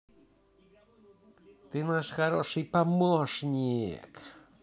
ты наш хороший помощник